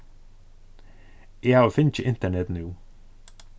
eg havi fingið internet nú